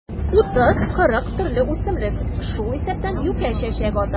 30-40 төрле үсемлек, шул исәптән юкә чәчәк ата.